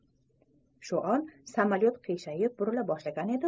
shu on samolyot qiyshayib burila boshlagan edi